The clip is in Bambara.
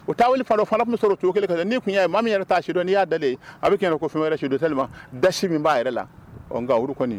tun bɛ sɔrɔ o cogo kelen ka ni tun ye maa min yɛrɛ t'a sidɔn n'a y'a dalen a bɛ k'i ɲɛna ko fɛn wɛrɛ su don dasi min b'a yɛrɛ la ɔ nka olu kɔni